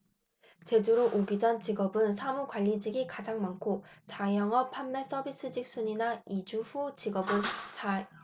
제주로 오기 전 직업은 사무 관리직이 가장 많고 자영업 판매 서비스직 순이나 이주 후 직업은 자영업 판매 서비스직 일 차 산업 순으로 나타났다